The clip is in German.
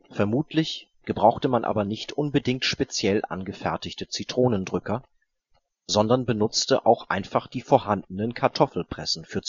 Vermutlich gebrauchte man aber nicht unbedingt speziell angefertigte Zitronendrücker, sondern benutzte auch einfach die vorhandenen Kartoffelpressen für